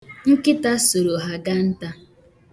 Nkịta soro ha gaa nta.